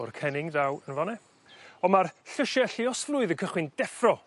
o'r cennin draw yn fan 'na on' ma'r llysie lluosflwydd yn cychwyn deffro